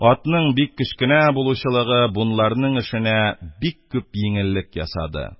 Атның бик кечкенә булучылыгы бунларның эшенә бик күп йиңеллек ясады.